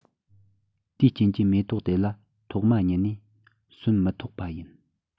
དེའི རྐྱེན གྱིས མེ ཏོག དེ ལ ཐོག མ ཉིད ནས སོན མི ཐོགས པ ཡིན